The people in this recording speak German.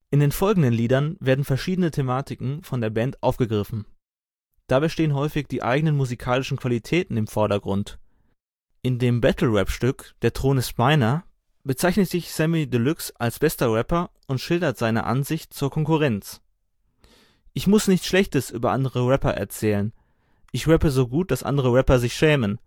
In den folgenden Liedern werden verschiedene Thematiken von der Band aufgegriffen. Dabei stehen häufig die eigenen musikalischen Qualitäten im Vordergrund. In dem Battle-Rap-Stück Der Thron ist meiner bezeichnet sich Samy Deluxe als bester Rapper und schildert seine Ansicht zur Konkurrenz: „ Ich muss nichts Schlechtes über andere Rapper erzählen. Ich rappe so gut, dass andere Rapper sich schämen